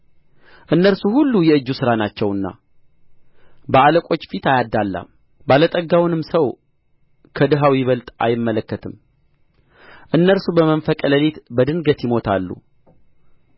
እነርሱ ሁሉ የእጁ ሥራ ናቸውና በአለቆች ፊት አያደላም ባለጠጋውንም ሰው ከድሀው ይበልጥ አይመለከትም እነርሱ በመንፈቀ ሌሊት በድንገት ይሞታሉ